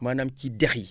maanaam ci dex yi